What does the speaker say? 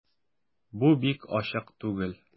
Бу бик ачык түгел...